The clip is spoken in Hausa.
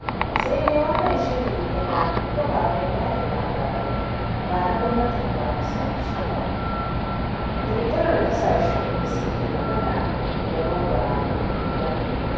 Sai dai wannan shiri ne na kafafen yaɗa labarai bana gwamnatin Faransanci ba, ƙirƙirar ƙasashen da suke magana da Bambara ba ne.